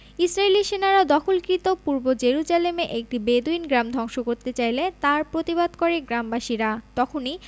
ইসরাইলি সেনারা দখলীকৃত পূর্ব জেরুজালেমে একটি বেদুইন গ্রাম ধ্বংস করতে চাইলে তার প্রতিবাদ করে গ্রামবাসীরা তখনই